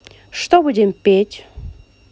что будем петь